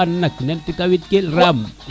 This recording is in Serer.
bo an ank nete nete kawit kel ram